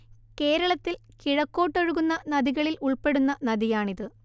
കേരളത്തിൽ കിഴക്കോട്ടൊഴുകുന്ന നദികളിൽ ഉൾപ്പെടുന്ന നദിയാണിത്